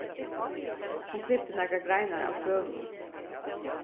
hon klipti nakrar greinar av trøunum